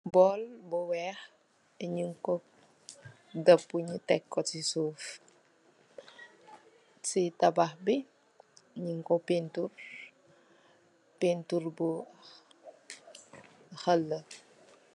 Bóól bu wèèx ñing ko dapu ñi tek ko ci suuf, ci tabax bi ñing ko pentir pentir bu xall.